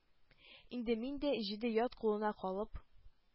Инде мин дә, җиде ят кулына калып